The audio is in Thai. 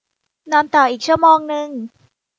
นอนต่ออีกชั่วโมงนึง